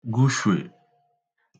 gushwe